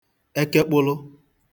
ekekpụlụ